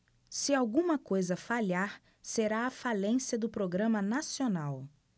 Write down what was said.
se alguma coisa falhar será a falência do programa nacional